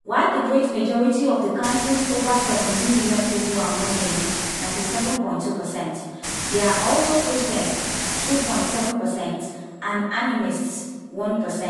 While the great majority of the country's over 17 million people are Muslim (97.2 percent), there are also Christians (2.7 percent) and animists (1 percent).